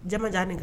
Jamajanin ka